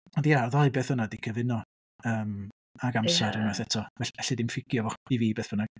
Ond ia, y ddau beth yna 'di cyfuno yym ac amser... ia. ...unwaith eto, all- alli 'di ddim ffugio fo i fi beth bynnag.